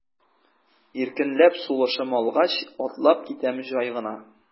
Иркенләп сулышым алгач, атлап китәм җай гына.